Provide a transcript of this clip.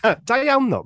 Da iawn ddo!